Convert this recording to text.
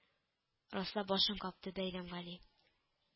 Раслап башын какты Бәйрәмгали